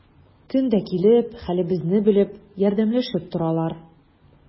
Көн дә килеп, хәлебезне белеп, ярдәмләшеп торалар.